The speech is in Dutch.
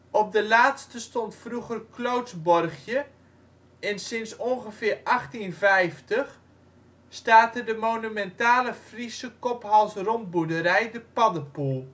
Op de laatste stond vroeger Cloots Borgje en sinds ongeveer 1850 staat er de monumentale Friese kop-hals-rompboerderij De Paddepoel